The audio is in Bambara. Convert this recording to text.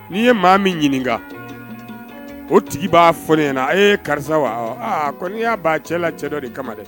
N'i ye maa min ɲini, o tigi b'a f'ɔ ne ɲɛna, ee karisa wa? A kɔni y'a ban cɛla cɛ dɔ de kama dɛ